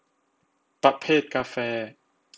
ประเภทกาแฟ